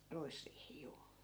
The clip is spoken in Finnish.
ruisriihi juu